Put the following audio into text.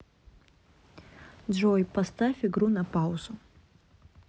джой поставь игру на паузу